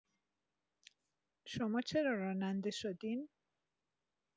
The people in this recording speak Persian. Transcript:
شما چرا راننده شدین؟